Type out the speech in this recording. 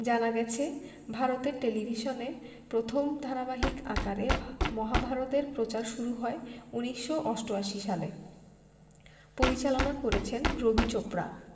জানা গেছে ভারতের টেলিভিশনে প্রথম ধারাবাহিক আকারে মহাভারত এর প্রচার শুরু হয় ১৯৮৮ সালে পরিচালনা করেছেন রবি চোপড়া